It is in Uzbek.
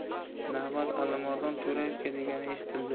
navbat alimardon to'rayevga degani eshitildi